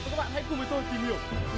các bạn hãy cùng với tôi tìm hiểu